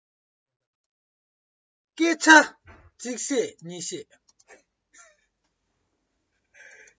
སྐད ཆ གཅིག བཤད གཉིས བཤད